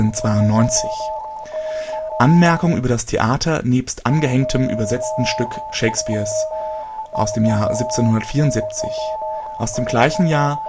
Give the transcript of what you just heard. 1792) Anmerkung über das Theater nebst angehängtem übersetzten Stück Shakespeares 1774 Der